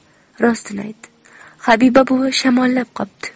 rostini aytdi habiba buvi shamollab qopti